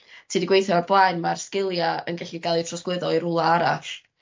ti 'di gweithio o'r blaen ma'r sgilia yn gellu ga'l eu trosglwyddo i rwla arall.